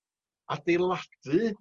adeiladu